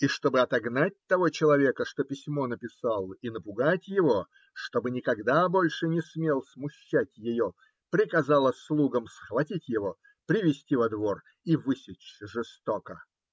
И чтобы отогнать того человека, что письмо написал, и напугать его, чтобы никогда больше не смел смущать ее, приказала слугам схватить его, привести во двор и высечь жестоко.